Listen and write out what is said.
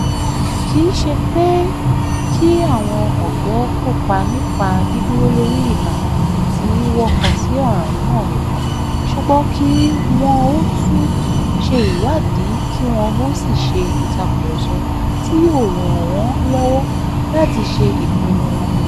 Kìí se pé kí àwọn ọ̀dọ́ ó kópa nípa dídúró lórí ìhà tí wọ́n kọ sí ọ̀ràn náà nìkan, ṣùgbọ́n kí wọn ó tún ṣe ìwádìí kí wọn ó sì ṣe ìtàkurọ̀sọ̀ tí yóò ràn wọ́n lọ́wọ́ láti ṣe ìpinnu wọn.